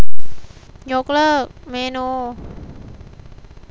ยกเลิกเมนู